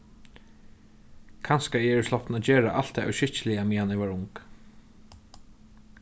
kanska eg eri sloppin at gera alt tað óskikkiliga meðan eg var ung